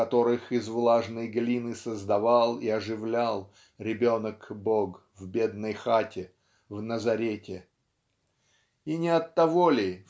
которых из влажной глины создавал и оживлял ребенок-Бог в бедной хате в Назарете? И не оттого ли